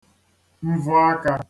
mvọaka